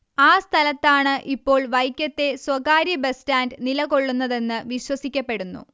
ആ സ്ഥലത്താണ് ഇപ്പോൾ വൈക്കത്തെ സ്വകാര്യ ബസ് സ്റ്റാന്റ് നിലകൊള്ളുന്നതെന്ന് വിശ്വസിക്കപ്പെടുന്നു